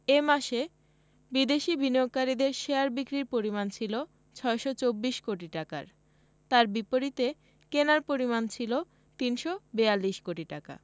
এ মাসে বিদেশি বিনিয়োগকারীদের শেয়ার বিক্রির পরিমাণ ছিল ৬২৪ কোটি টাকার তার বিপরীতে কেনার পরিমাণ ছিল ৩৪২ কোটি টাকা